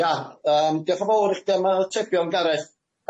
Ia yym diolch yn fowr i chdi am y atebion Gareth,